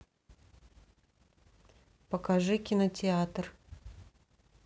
покажи кинотеатр